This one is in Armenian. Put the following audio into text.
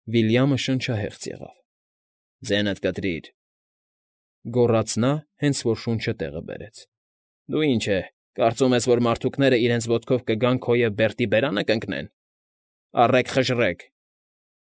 Վիլյամը շնչահեղձ եղավ։ ֊ Ձենդ կտրիր, ֊ գոռաց նա, հենց որ շունչը տեղը բերեց։ ֊ Դու ինչ է, կարծում ես, որ մարդուկները իրենց ոտքով կգան քո և Բերտի բերա՞նը կընկնեն՝ առեք, խժռեք։